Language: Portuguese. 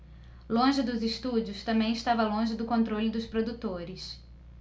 longe dos estúdios também estava longe do controle dos produtores